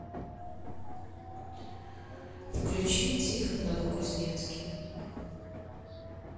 включи тихон новокузнецкий